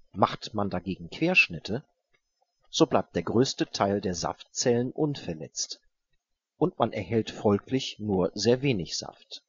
Macht man dagegen Querschnitte, so bleibt der größte Teil der Saftzellen unverletzt und man erhält folglich nur sehr wenig Saft